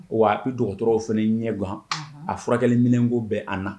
Wa a bi dɔgɔtɔrɔw fɛnɛ ɲɛ gan. A furakɛli minɛn ko bɛ an na.